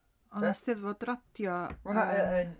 Oedd 'na 'Steddfod radio yn...